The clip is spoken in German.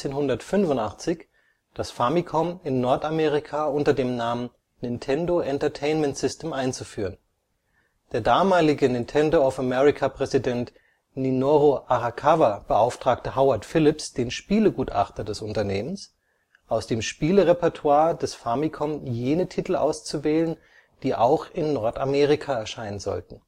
1985, das Famicom in Nordamerika unter dem Namen „ Nintendo Entertainment System “einzuführen. Der damalige NoA-Präsident Minoru Arakawa beauftragte den Howard Phillips, den Spielegutachter des Unternehmens, aus dem Spielerepertoire des Famicom jene Titel auszuwählen, die auch in Nordamerika erscheinen sollten